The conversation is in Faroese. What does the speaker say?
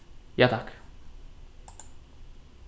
ja takk